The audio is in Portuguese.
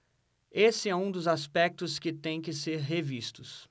esse é um dos aspectos que têm que ser revistos